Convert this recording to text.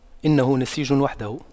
إنه نسيج وحده